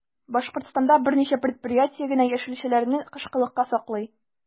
Башкортстанда берничә предприятие генә яшелчәләрне кышкылыкка саклый.